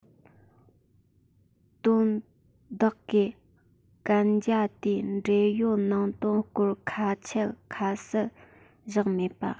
དོ བདག གིས གན རྒྱ དེའི འབྲེལ ཡོད ནང དོན སྐོར ཁ ཆད ཁ གསལ བཞག མེད པ